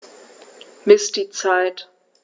Miss die Zeit.